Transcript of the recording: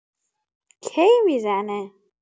کی می‌زنه؟